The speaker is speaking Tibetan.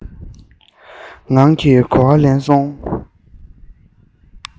ངང གིས གོ བ ལོན སོང